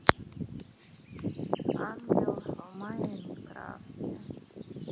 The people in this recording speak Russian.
ангел в майнкрафте